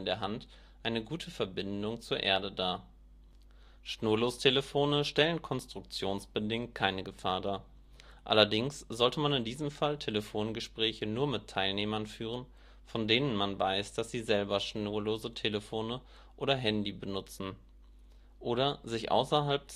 Hand eine gute Verbindung zur Erde dar. Schnurlostelefone stellen konstruktionsbedingt keine Gefahr dar. Allerdings sollte man in diesem Fall Telefongespräche nur mit Teilnehmern führen, von denen man weiß, dass sie ebenfalls schnurlose Telefone oder Handy benutzen oder sich außerhalb